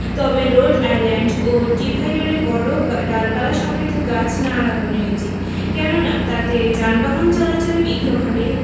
তবে road island ও ডিভাইডারে বড় ডালপালাসমৃদ্ধ গাছ না লাগানোই উচিত কেননা তাতে যানবাহন চলাচলে বিঘ্ন ঘটে